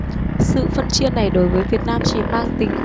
sự phân chia này đối với việt nam chỉ mang tính